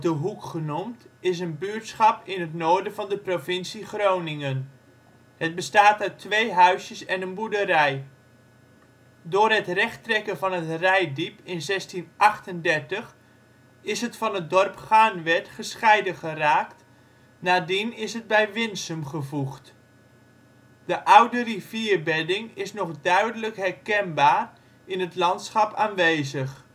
Hoek ' genoemd, is een buurtschap in het noorden van de provincie Groningen. Het bestaat uit twee huisjes en een boerderij. Door het rechttrekken van het Reitdiep in 1638 is het van het dorp Garnwerd gescheiden geraakt. Nadien is het bij Winsum gevoegd. De oude rivierbedding is nog duidelijk herkenbaar in het landschap aanwezig